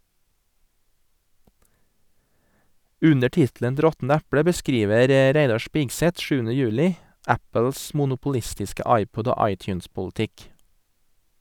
Under tittelen "Et råttent eple" beskriver Reidar Spigseth sjuende juli Apples monopolistiske iPod- og iTunes-politikk.